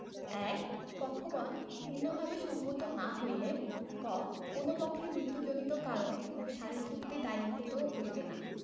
১ পক্ষগণ ভিন্নভাবে সম্মত না হইলে ক কোন পক্ষের মৃত্যুজনিত কারণে কোন সালিস চুক্তি দায়মুক্ত হইবে না